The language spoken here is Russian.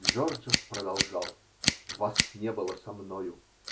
Джорджо продолжал: -- Вас не было со мною!